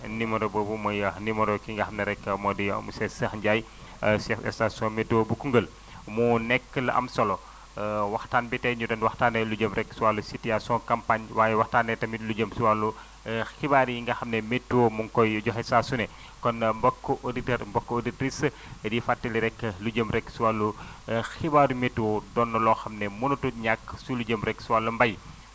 numéro boobu mooy numéro ki nga xam ne rek moo di monsieur Cheikh Ndiaye chef station météo bu Koungheul moo nekk lu am solo waxtaan bi tey ñu doon waxtaanee lu jëm rek si wàllu situation campagne waaye waxtaanee tamit lu jëm si wàllu xibaar yi nga xam ne météo mu ngi koy joxe saa su ne kon mbokku auditeurs mbokku auditrices di fàttali rek lu jëm rek si wàllu xibaaru météo doon la loo xam ne mënatul ñàkk si lu jëm rek si wàllu mbay